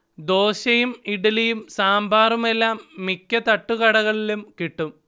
ദോശയും ഇഡ്ഢലിയും സാമ്പാറുമെല്ലാം മിക്ക തട്ടുകടകളിലും കിട്ടും